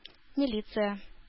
Милиция